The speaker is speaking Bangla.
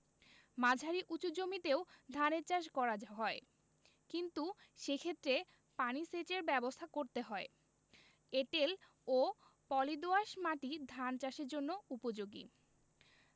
মাঝারি উচু জমিতেও ধান চাষ করা হয় কিন্তু সেক্ষেত্রে পানি সেচের ব্যাবস্থা করতে হয় এঁটেল ও পলি দোআঁশ মাটি ধান চাষের জন্য উপযোগী